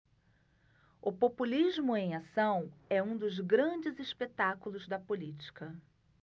o populismo em ação é um dos grandes espetáculos da política